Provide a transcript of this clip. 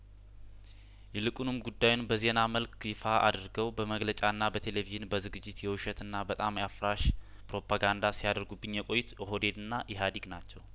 ይልቁንም ጉዳዩን በዜና መልክ ይፋ አድርገው በመግለጫና በቴሌቪዥን በዝግጅት የውሸትና በጣም ያፍራሽ ፕሮፓጋንዳ ሲያደርጉብኝ የቆዩት ኦህዴድና ኢህአዴግ ናቸው